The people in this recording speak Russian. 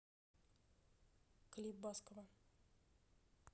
клип баскова